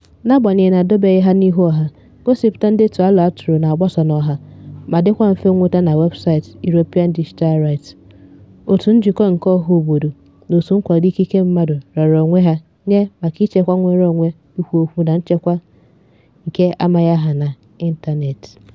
N'agbanyeghi na edobeghi ha n'ihu ọha, ngosipụta ndetu alo atụrụ na-agbasa n'ọha ma dịkwa mfe nweta na weebụsaịtị European Digital Rights, òtù njikọ nke ọhaobodo na òtù nkwado ikike mmadụ raara onwe ha nye maka ichekwa nnwereonwe ikwu okwu na nchekwa nke amaghị aha n'ịntaneetị.